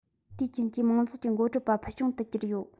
དེའི རྐྱེན གྱིས མང ཚོགས ཀྱི འགོ ཁྲིད པ ཕུལ དུ བྱུང བར གྱུར ཡོད